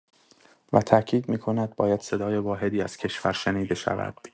و تاکید می‌کند باید صدای واحدی از کشور شنیده شود